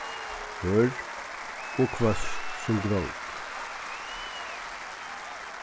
hørð og hvøss sum grót